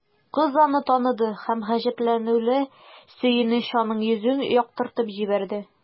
Кыз аны таныды һәм гаҗәпләнүле сөенеч аның йөзен яктыртып җибәрде.